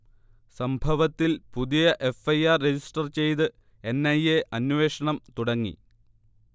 സംഭവത്തിൽ പുതിയ F. I. R. Register ചെയ്ത് എൻ. ഐ. എ. അന്വേഷണം തുടങ്ങി